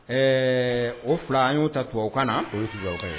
Ɛɛ o 2 an y'o ta tubabu kan na , o 2 ye tubabu kan ye